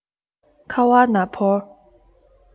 ཁ བ ན བོར